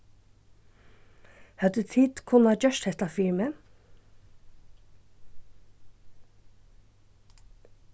høvdu tit kunnað gjørt hetta fyri meg